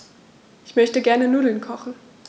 Ich möchte gerne Nudeln kochen.